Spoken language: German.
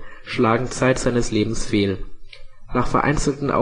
schlagen zeit seines Lebens fehl. Nach vereinzelten